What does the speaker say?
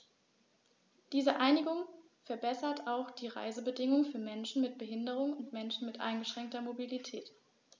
Diese Einigung verbessert auch die Reisebedingungen für Menschen mit Behinderung und Menschen mit eingeschränkter Mobilität.